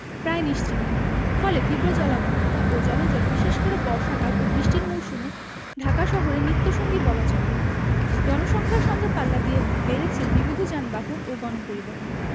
প্রায় নিশ্চিহ্ন ফলে তীব্র জলাবদ্ধতা ও জলজট বিশেষ করে বর্ষাকাল ও বৃষ্টির মৌসুমে ঢাকা শহরের নিত্যসঙ্গী বলা চলে জনসংখ্যার সঙ্গে পাল্লা দিয়ে বেড়েছে বিবিধ যানবাহন ও গণপরিবহন